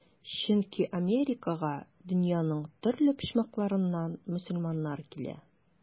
Чөнки Америкага дөньяның төрле почмакларыннан мөселманнар килә.